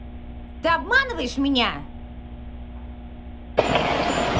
ты обманываешь меня